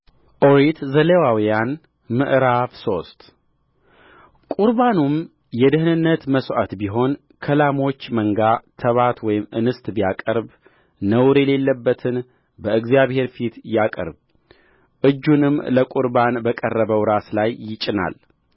ኦሪት ዘሌዋውያን ምዕራፍ ሶስት ቍርባኑም የደኅንነት መሥዋዕት ቢሆን ከላሞች መንጋ ተባት ወይም እንስት ቢያቀርብ ነውር የሌለበትን በእግዚአብሔር ፊት ያቅርብእጁንም ለቍርባን በቀረበው ራስ ላይ ይጭናል